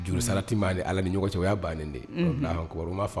Jurusara tɛ maa ni allah ni ɲɔgɔn cɛ. Oy'a bannen de ye., unhun. allahu akbar U ma faamu de